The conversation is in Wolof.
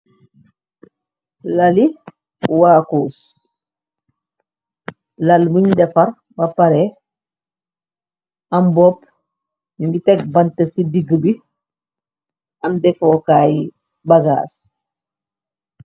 Lali waakus lal muñ defar ba pare am bopp ñu ngi teg bant ci diggi bi am defokaay bagaas.